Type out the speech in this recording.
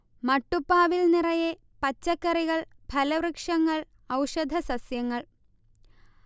മട്ടുപ്പാവിൽ നിറയെ പച്ചക്കറികൾ, ഫലവൃക്ഷങ്ങൾ, ഔഷധ സസ്യങ്ങൾ